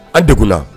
An degna